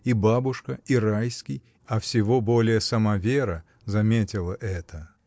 И бабушка, и Райский, а всего более сама Вера заметили это.